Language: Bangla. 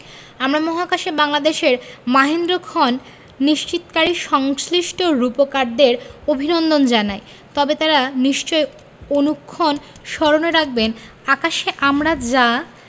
আমরা মহাকাশে বাংলাদেশের মাহেন্দ্রক্ষণ নিশ্চিতকারী সংশ্লিষ্ট রূপকারদের অভিনন্দন জানাই তবে তাঁরা নিশ্চয় অনুক্ষণ স্মরণে রাখবেন আকাশে আমরা যা